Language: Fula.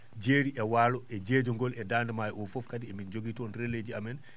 jeeri e waalo e jeejegol e Daande maayo o fof kadi emin jogii toon relais ji amen